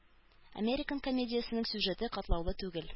«американ» комедиясенең сюжеты катлаулы түгел.